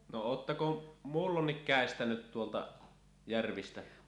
no oletteko muulloin käestänyt tuolta järvistä